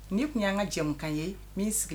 Ni tun y'an ka jamukan ye min sigi